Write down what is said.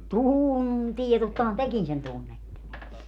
tuntee tottahan tekin sen tunnette